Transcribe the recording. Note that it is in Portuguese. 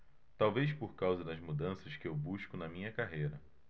talvez por causa das mudanças que eu busco na minha carreira